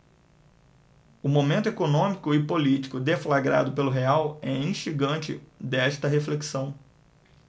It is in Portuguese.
o momento econômico e político deflagrado pelo real é instigante desta reflexão